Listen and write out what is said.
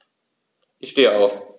Ich stehe auf.